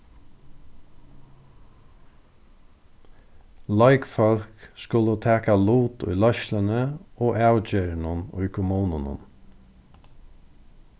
leikfólk skulu taka lut í leiðsluni og avgerðunum í kommununum